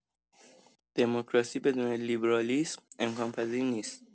دموکراسی بدون لیبرالیسم امکان‌پذیر نیست.